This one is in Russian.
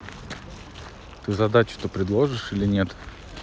ты задачу то предложишь или нет